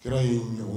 Tarawele ye ɲɔgɔn